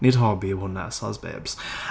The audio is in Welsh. Nid hobi yw hwnna, soz babes.